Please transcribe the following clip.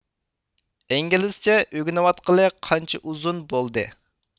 ئىنگلىزچە ئۆگنىۋاتقىلى قانچە ئۇزۇن بولدى